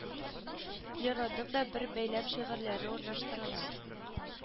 Леронның да бер бәйләм шигырьләре урнаштырыла